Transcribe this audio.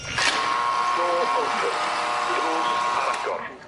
Door open. Drws ar agor.